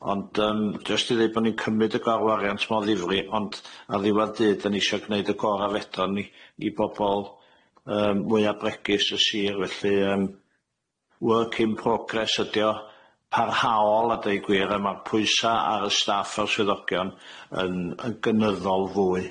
Ond yym jyst i ddeud bo' ni'n cymyd y gorwariant ma oddifri ond ar ddiwedd dydd o'n i isio gneud y gor'a fedon i i bobol yym mwya bregus y Sir felly yym, work in progress ydi o parhaol a deud gwir a ma'r pwysa ar y staff a'r swyddogion yn yn gynyddol fwy.